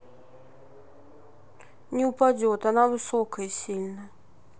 не упадет она высокая сильно